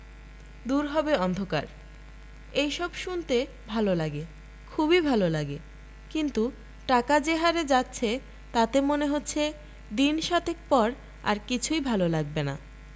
দূর হবে অন্ধকার এইসব শুনতে ভাল লাগে খুবই ভাল লাগে কিন্তু টাকা যে হারে যাচ্ছে তাতে মনে হচ্ছে দিন সাতেক পর আর কিছুই ভাল লাগবে না